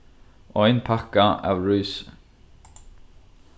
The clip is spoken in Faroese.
ein pakka av rísi